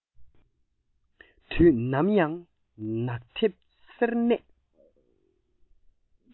དུས ནམ ཡང ནག དིབ སེར གནས